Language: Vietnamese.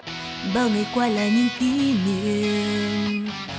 bao ngày qua là những kỷ niệm